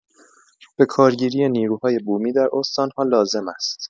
به‌کارگیری نیروهای بومی در استان‌ها لازم است.